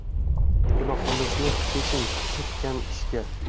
gunohimizni keching o'tgan ishga